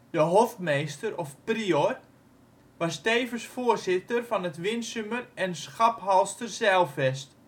De hofmeester (prior) was tevens voorzitter van het Winsumer en Schaphalsterzijlvest